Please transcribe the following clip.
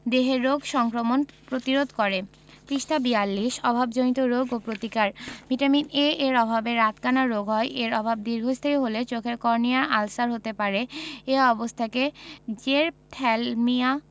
দেহে রোগ সংক্রমণ প্রতিরোধ করে অভাবজনিত রোগ ও প্রতিকার ভিটামিন A এর অভাবে রাতকানা রোগ হয় এর অভাব দীর্ঘস্থায়ী হলে চোখের কর্নিয়ায় আলসার হতে পারে এ অবস্থাকে জেরপ্থ্যালমিয়া